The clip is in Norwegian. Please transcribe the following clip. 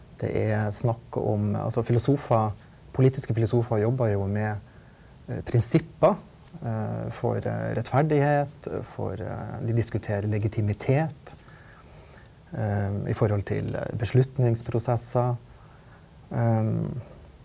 det er snakk om altså filosofer politiske filosofer jobber jo med prinsipper for rettferdighet for de diskuterer legitimitet i forhold til beslutningsprosesser .